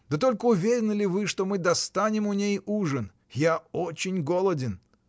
Да только уверены ли вы, что мы достанем у ней ужин? Я очень голоден.